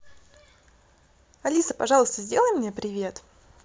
алиса пожалуйста сделай мне привет